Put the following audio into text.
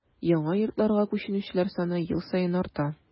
Яңа йортларга күченүчеләр саны ел саен арта.